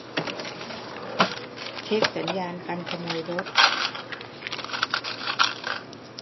เช็คสัญญาณกันขโมยรถ